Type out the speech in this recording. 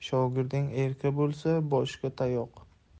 shogirding erka bo'lsa boshga tayoq